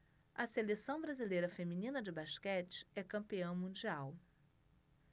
a seleção brasileira feminina de basquete é campeã mundial